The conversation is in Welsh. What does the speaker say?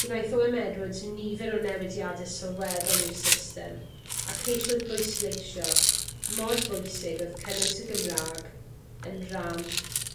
Gwnaeth Owe Em Edwards nifer o newidiade sylweddol i'r system a ceisiodd bwysleisio mor bwysig oedd cynnwys y Gymraeg yn ran